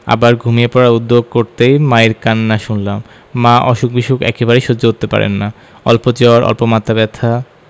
আবার ঘুমিয়ে পড়ার উদ্যোগ করতেই মায়ের কান্না শুনলাম মা অসুখ বিসুখ একেবারেই সহ্য করতে পারেন না অল্প জ্বর অল্প মাথা ব্যাথা